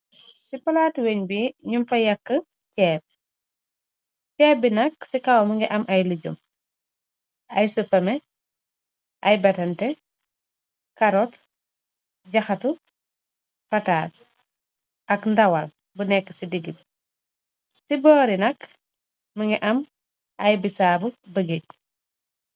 Ci palaatu weñ bi ñum fa yàkk ceep ceep bi nakk ci kawa mi ngi am ay lijum ay sufame ay batante karot jaxatu pataad ak ndawal bu nekk ci digg bi ci boori nak mi ngi am ay bisaab bëgéej.